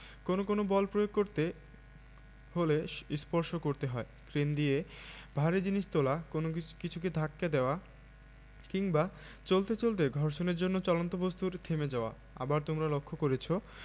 কোনো কোনো বল প্রয়োগ করতে হলে স্পর্শ করতে হয় ক্রেন দিয়ে ভারী জিনিস তোলা কোনো কিছুকে ধাক্কা দেওয়া কিংবা চলতে চলতে ঘর্ষণের জন্য চলন্ত বস্তুর থেমে যাওয়া আবার তোমরা লক্ষ করেছ